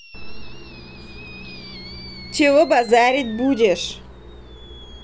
чего базарить будешь